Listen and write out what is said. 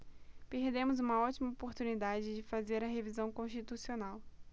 perdemos uma ótima oportunidade de fazer a revisão constitucional